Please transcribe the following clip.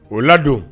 O ladon